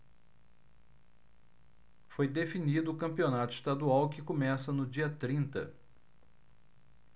foi definido o campeonato estadual que começa no dia trinta